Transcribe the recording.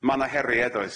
Ma' 'na herie does?